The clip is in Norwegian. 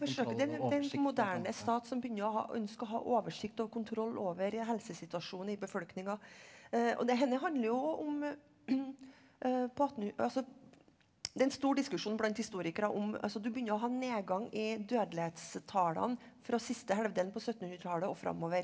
forsøker det den moderne stat som begynner å ha ønsker å ha oversikt og kontroll over helsesituasjonen i befolkninga og det her handler jo om på altså det er en stor diskusjon blant historikere om altså du begynner å ha nedgang i dødelighetstallene fra siste halvdel på syttenhundretallet og framover.